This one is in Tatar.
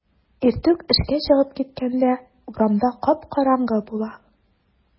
Иртүк эшкә чыгып киткәндә урамда кап-караңгы була.